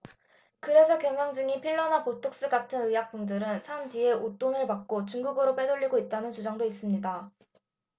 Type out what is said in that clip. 그래서 경영진이 필러나 보톡스 같은 의약품들을 산 뒤에 웃돈을 받고 중국으로 빼돌리고 있다는 주장도 있습니다